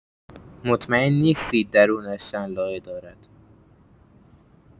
مطمئن نیستید درونش چند لایه دارد.